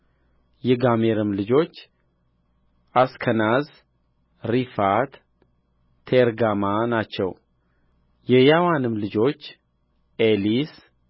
የጋሜርም ልጆች አስከናዝ ሪፋት ቴርጋማ ናቸው የያዋንም ልጆች ኤሊሳ